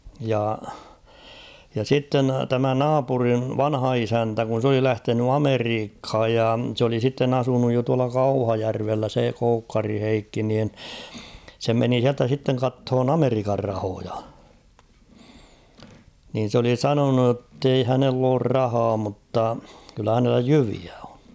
ja ja sitten tämä naapurin vanha isäntä kun se oli lähtenyt Amerikkaan ja se oli sitten asunut jo tuolla Kauhajärvellä se Koukkarin Heikki niin se meni sieltä sitten katsomaan Amerikan rahoja niin se oli sanonut että ei hänellä ole rahaa mutta kyllä hänellä jyviä on